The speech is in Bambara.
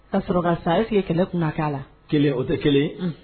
Kasɔrɔ ka sa est ce que kɛlɛ tun tɛna kɛ a la, kelen o tɛ kelen ye, unh